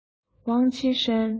ཝང ཆི ཧྲན